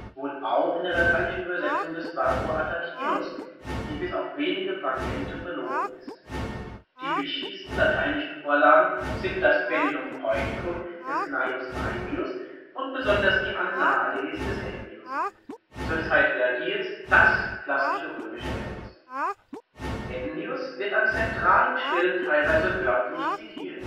wohl auch in der lateinischen Übersetzung des Varro Atacinus, die bis auf wenige Fragmente verloren ist). Die wichtigsten lateinischen Vorlagen sind das Bellum Poenicum des Gnaeus Naevius und besonders die Annales des Ennius, zur Zeit Vergils das klassische römische Epos. Ennius wird an zentralen Stellen teilweise wörtlich zitiert